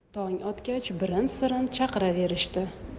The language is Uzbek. tong otgach birin sirin chaqiraverishdi